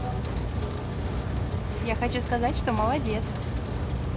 я хочу сказать что молодец